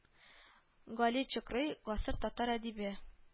Гали Чокрый, гасыр татар әдибе